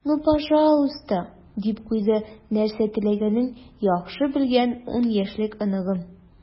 "ну пожалуйста," - дип куйды нәрсә теләгәнен яхшы белгән ун яшьлек оныгым.